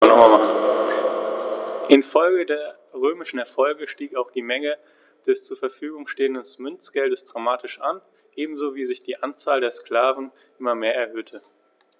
Infolge der römischen Erfolge stieg auch die Menge des zur Verfügung stehenden Münzgeldes dramatisch an, ebenso wie sich die Anzahl der Sklaven immer mehr erhöhte.